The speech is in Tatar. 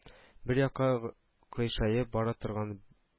Бер якка кыйшаеп бара торган